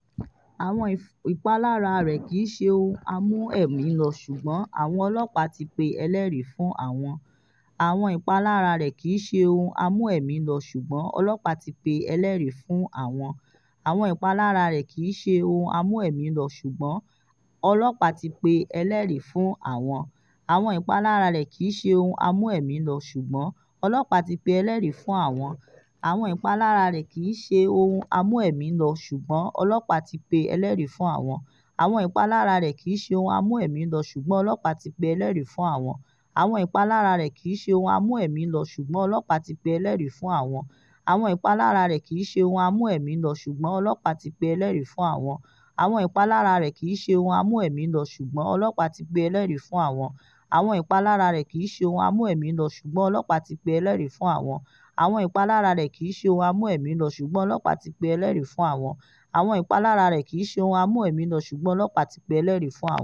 Àwọn ìpalára rẹ̀ kìíṣe ohun a mú ẹ̀mí lọ ṣùgbọ́n ọlọ́pàá ti pe ẹlẹ́rìí fún àwọn .